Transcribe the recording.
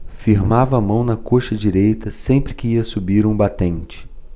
firmava a mão na coxa direita sempre que ia subir um batente